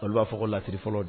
A b'a fɔ lassiri fɔlɔ